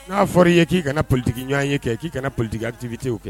N'a fɔra i ye k'i kana politigiki ɲɔgɔn ye kɛ k'i kana politigi tigibite'o kɛ